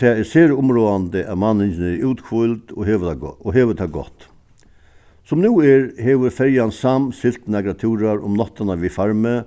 og tað er sera umráðandi at manningin er úthvíld og hevur tað og hevur tað gott sum nú er hevur ferjan sam siglt nakrar túrar um náttina við farmi